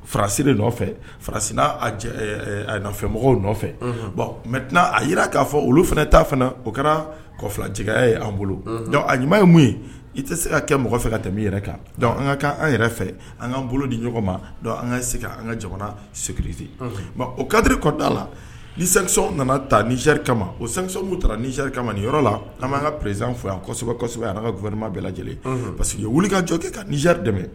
Farasire nɔfɛ farasi a nɔfɛ mɔgɔw nɔfɛ mɛ tɛna a jira k'a fɔ olu fana t'a o kɛra kɔ filajɛya ye an bolo a ɲuman ye mun ye i tɛ se ka kɛ mɔgɔ fɛ ka tɛmɛ yɛrɛ kan an ka an yɛrɛ fɛ an'an bolo di ɲɔgɔn ma an ka se an ka jamana segti o kadiri kɔda la ni sansɔn nana taa nidiri kamama o sansɔn taaradiri kama ni yɔrɔ la an bɛ an ka prez foyi yan kɔsɔ kosɛbɛ kɔsɔn a ara ka gma bɛɛ lajɛlen pa que wuli ka jɔ kɛ kadiri dɛmɛ